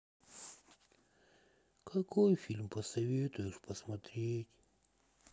какой фильм посоветуешь посмотреть